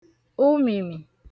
ụmị̀mì